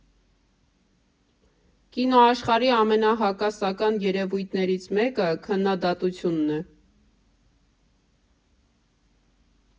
Կինոաշխարհի ամենահակասական երևույթներից մեկը քննադատությունն է.